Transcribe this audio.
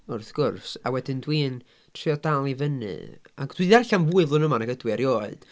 Wrth gwrs. A wedyn dwi'n trio dal i fyny ac dwi 'di darllen fwy flwyddyn yma nag ydw i erioed.